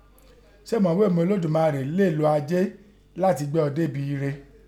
Sé ìghọ mọ̀ ghí i Olódùmarè lè lo Ajé láti gbé ọ rebi ire?